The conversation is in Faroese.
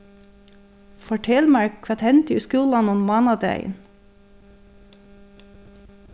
fortel mær hvat hendi í skúlanum mánadagin